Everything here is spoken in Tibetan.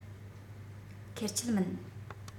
ཁེར ཆད མིན